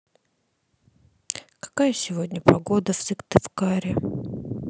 какая сегодня погода в сыктывкаре